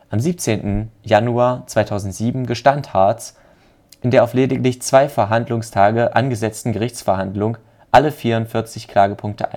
Am 17. Januar 2007 gestand Hartz in der auf lediglich zwei Verhandlungstage angesetzten Gerichtsverhandlung alle 44 Klagepunkte